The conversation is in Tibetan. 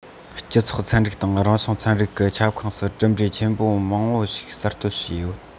སྤྱི ཚོགས ཚན རིག དང རང བྱུང ཚན རིག གི ཁྱབ ཁོངས སུ གྲུབ འབྲས ཆེན པོ མང པོ ཞིག གསར གཏོད བྱས ཡོད